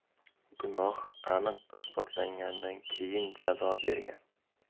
gunoh aniq isbotlanganidan keyin jazo bergan